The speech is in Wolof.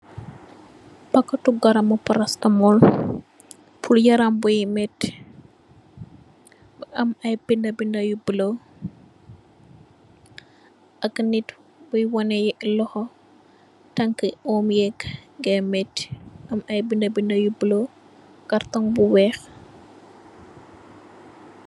Pakatu garamu parastamol purr yaram buyi metti. Bu am ayy binda binda yu bulo, ak nitt buyi waneh lokho, tanki ohm yekk metti, am ayy binda binda yu bulo, cartong yu wekh.